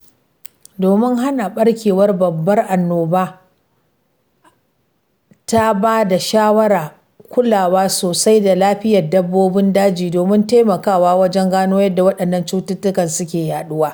Domin hana ɓarkewar babbar annoba, WCS ta ba da shawarar kulawa sosai da lafiyar dabbobin daji domin taimakawa wajen gano yadda waɗannan cutukan suke yaɗuwa.